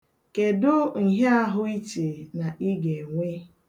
Kedụ ṇhiaahụ iche na ị ga-enwe?